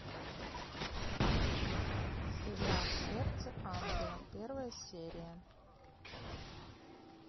сериал сердце ангела первая серия